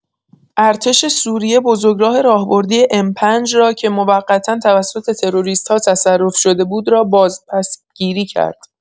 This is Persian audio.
ارتش سوریه بزرگراه راهبردی M۵ را که موقتا توسط تروریست‌ها تصرف شده بود را باز پس گیری کرد.